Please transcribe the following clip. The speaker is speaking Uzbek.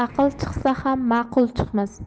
aql chiqsa ham ma'qul chiqmas